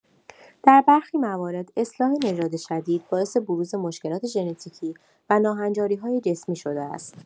در برخی موارد، اصلاح نژاد شدید باعث بروز مشکلات ژنتیکی و ناهنجاری‌های جسمی شده است.